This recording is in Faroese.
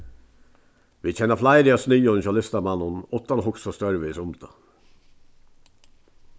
vit kenna fleiri av sniðunum hjá listamanninum uttan at hugsa stórvegis um tað